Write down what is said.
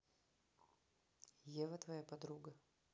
ева твоя подруга